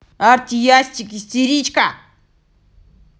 artik asti истеричка